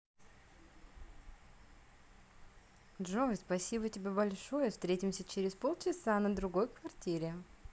джой спасибо тебе большое встретимся через полчаса на другой квартире